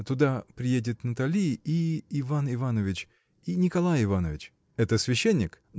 Туда приедет Натали, и Иван Иванович, и Николай Иванович. — Это священник?